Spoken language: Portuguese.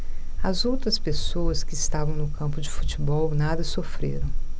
as outras pessoas que estavam no campo de futebol nada sofreram